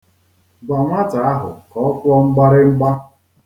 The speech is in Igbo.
Gwa nwata ahụ ka ọ kụọ mgbarịmgba.